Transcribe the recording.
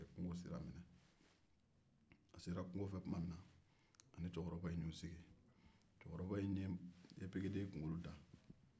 a sera kungo fe tuma min na a ni cɛkɔrɔba in y'u sigi